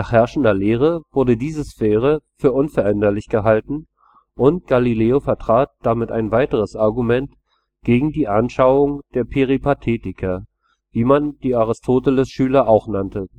herrschender Lehre wurde diese Sphäre für unveränderlich gehalten und Galilei vertrat damit ein weiteres Argument gegen die Anschauungen der Peripatetiker, wie man die Aristoteles-Schüler auch nannte